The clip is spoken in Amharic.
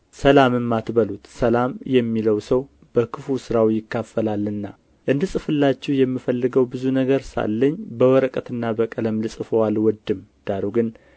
ሰላምም አትበሉት ሰላም የሚለው ሰው በክፉ ሥራው ይካፈላልና እንድጽፍላችሁ የምፈልገው ብዙ ነገር ሳለኝ በወረቀትና በቀለም ልጽፈው አልወድም ዳሩ ግን